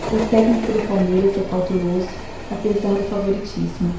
o técnico do palmeiras é cauteloso apesar do favoritismo